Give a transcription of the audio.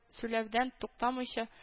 Сүләвдән туктамыйча